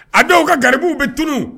A denw ka garibuw bɛ tunun